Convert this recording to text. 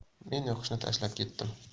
men o'qishni tashlab ketdim